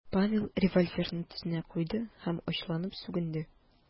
Павел револьверны тезенә куйды һәм ачуланып сүгенде .